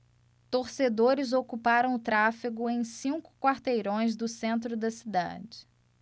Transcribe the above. torcedores ocuparam o tráfego em cinco quarteirões do centro da cidade